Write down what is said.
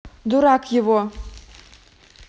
дурак его